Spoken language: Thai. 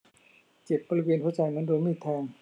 เจ็บบริเวณหัวใจเหมือนโดนมีดแทง